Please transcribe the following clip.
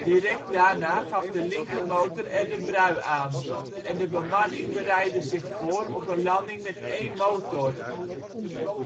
Direct daarna gaf de linkermotor er de brui aan, en de bemanning bereidde zich voor op een landing met één motor.